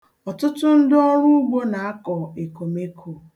Ọtụtụ ndị ọrụugbo na-akọ ekomeko.